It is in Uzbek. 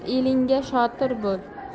o'z elinga shotir bo'l